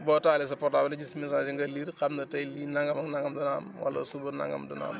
boo taalee sa portable rek gis messages yi ngay lire xam ne tey lii nangam ak nangam dana am wala suba nangam dana am